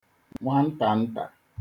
nwantantà